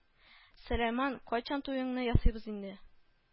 Сөләйман, кайчан туеңны ясыйбыз инде